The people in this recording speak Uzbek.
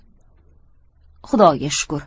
xudoga shukr